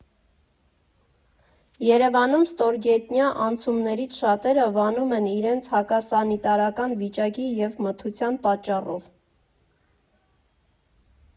Երևանում ստորգետնյա անցումներից շատերը վանում են իրենց հակասանիտարական վիճակի և մթության պատճառով։